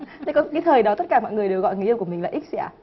cái thời đó tất cả mọi người đều gọi người yêu của mình là ích xì ạ